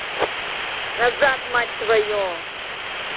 назад мать твою